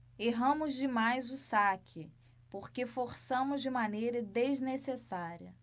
erramos demais o saque porque forçamos de maneira desnecessária